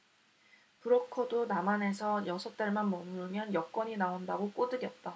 브로커도 남한에서 여섯달만 머무르면 여권이 나온다고 꼬드겼다